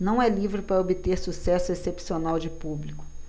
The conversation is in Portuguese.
não é livro para obter sucesso excepcional de público